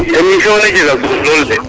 émission ne jega solo lool de